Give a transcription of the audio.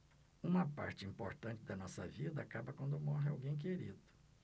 uma parte importante da nossa vida acaba quando morre alguém querido